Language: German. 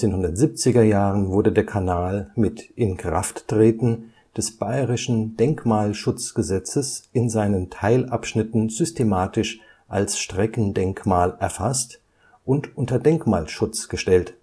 1970er Jahren wurde der Kanal mit Inkrafttreten des bayerischen Denkmalschutzgesetzes (1973) in seinen Teilabschnitten systematisch als Streckendenkmal erfasst und unter Denkmalschutz gestellt